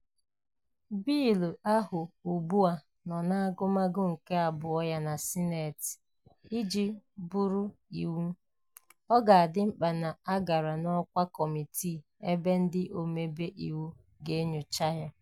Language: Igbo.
Bịịlụ ahụ ugbu a nọ n'agụmagụ nke abụọ ya na Sineetị. Iji bụrụ iwu, ọ ga-adị mkpa na ọ gara n'ọkwa kọmitii ebe ndị omebe iwu ga-enyocha ya.